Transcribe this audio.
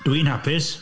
Dwi'n hapus.